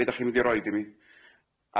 Be' dach chi'n mynd i roid i mi?'